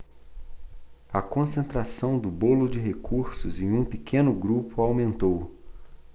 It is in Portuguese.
a concentração do bolo de recursos em um pequeno grupo aumentou